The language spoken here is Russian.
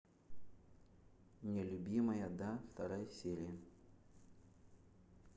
нелюбимая да вторая серия